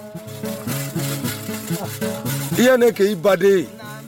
I yan ne kɛ i baden ye